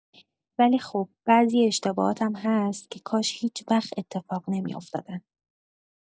ولی خب، بعضی اشتباهات هم هست که کاش هیچ‌وقت اتفاق نمی‌افتادن.